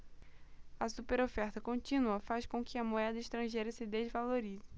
a superoferta contínua faz com que a moeda estrangeira se desvalorize